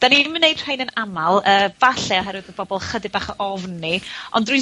...dan ni'm yn neud rhein yn amal, yy falle oherwydd bo' bobol chydig bach ofn ni, ond rywun